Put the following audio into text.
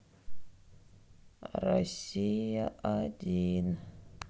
россия один